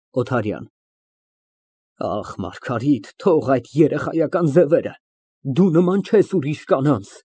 ՕԹԱՐՅԱՆ ֊ Ախ, Մարգարիտ, թող այդ երեխայական ձևերը, դու նման չես ուրիշ կանանց։